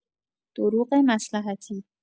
دروغ مصلحتی